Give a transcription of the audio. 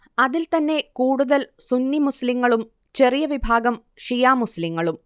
അതിൽ തന്നെ കൂടുതൽ സുന്നി മുസ്ലിങ്ങളും ചെറിയ വിഭാഗം ഷിയാ മുസ്ലിങ്ങളും